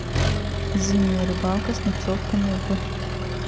зимняя рыбалка с ночевками в